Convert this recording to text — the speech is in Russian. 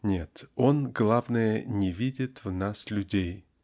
Нет, он, главное, не видит в нас людей